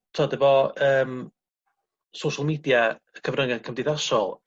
...t'od efo yym social media y cyfrynga cymdeithasol